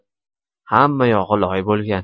hamma yog'i loy bo'lgan